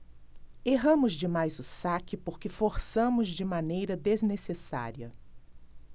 erramos demais o saque porque forçamos de maneira desnecessária